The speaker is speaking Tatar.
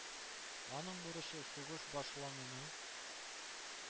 Аның бурычы – сугыш башлануны